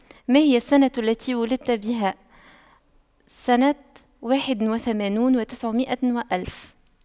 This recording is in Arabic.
ماهي السنة التي ولدت بها سنة واحد وثمانون وتسعمئة وألف